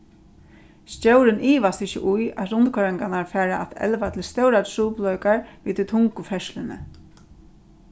stjórin ivast ikki í at rundkoyringarnar fara at elva til stórar trupulleikar við tí tungu ferðsluni